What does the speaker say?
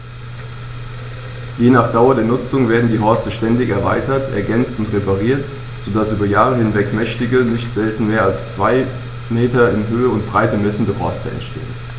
Je nach Dauer der Nutzung werden die Horste ständig erweitert, ergänzt und repariert, so dass über Jahre hinweg mächtige, nicht selten mehr als zwei Meter in Höhe und Breite messende Horste entstehen.